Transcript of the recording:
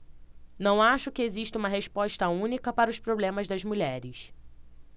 não acho que exista uma resposta única para os problemas das mulheres